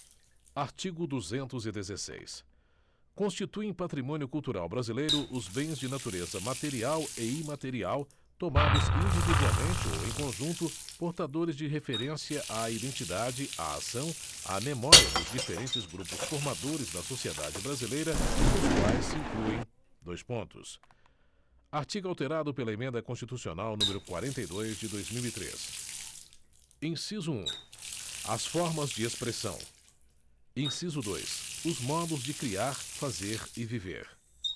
artigo duzentos e dezesseis constituem patrimônio cultural brasileiro os bens de natureza material e imaterial tomados individualmente ou em conjunto portadores de referência à identidade à ação à memória dos diferentes grupos formadores da sociedade brasileira nos quais se incluem dois pontos artigo alterado pela emenda constitucional número quarenta e dois de dois mil e três inciso um as formas de expressão inciso dois os modos de criar fazer e viver